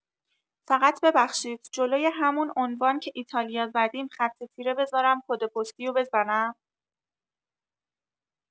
فقط ببخشید جلوی همون عنوان که ایتالیا زدیم خط تیره بزارم کد پستی رو بزنم؟